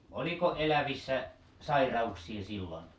oliko elävissä sairauksia silloin